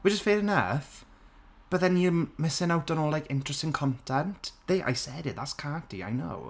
Which is fair enough. But then you're missing out on all like interesting content. There I said it, that's cardi, I know.